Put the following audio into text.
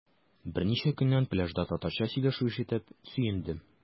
Берничә көннән пляжда татарча сөйләшү ишетеп сөендем.